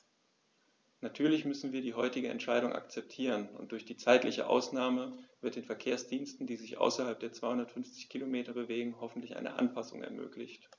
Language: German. Natürlich müssen wir die heutige Entscheidung akzeptieren, und durch die zeitliche Ausnahme wird den Verkehrsdiensten, die sich außerhalb der 250 Kilometer bewegen, hoffentlich eine Anpassung ermöglicht.